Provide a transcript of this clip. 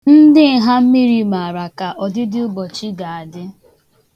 Ndị nghammiri mara ka ọdịdịụbọchị ga-adị.